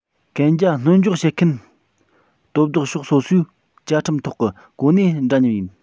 གན རྒྱ སྣོལ འཇོག བྱེད མཁན དོ བདག ཕྱོགས སོ སོའི བཅའ ཁྲིམས ཐོག གི གོ གནས འདྲ མཉམ ཡིན